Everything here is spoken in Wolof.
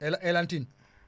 Hela Helane Tine